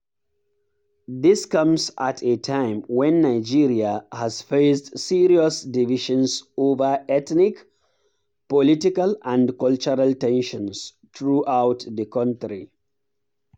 This comes at a time when Nigeria has faced serious divisions over ethnic, political and cultural tensions throughout the country.